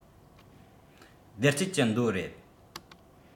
བདེ སྐྱིད ཀྱི མདོ རེད